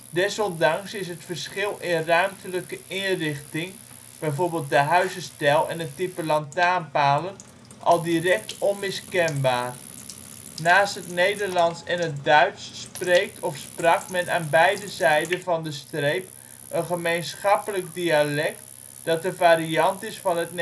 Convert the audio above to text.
Desondanks is het verschil in ruimtelijke inrichting (bijv. de huizenstijl en het type lantaarnpalen) al direct onmiskenbaar. Naast het Nederlands en het Duits spreekt of sprak men aan beide zijden van ' de streep ' een gemeenschappelijk dialect dat een variant is van het